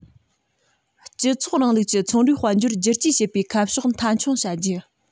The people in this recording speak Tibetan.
སྤྱི ཚོགས རིང ལུགས ཀྱི ཚོང རའི དཔལ འབྱོར བསྒྱུར བཅོས བྱེད པའི ཁ ཕྱོགས མཐའ འཁྱོངས བྱ རྒྱུ